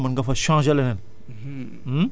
donc bu déwénee mën nga fa changé leneen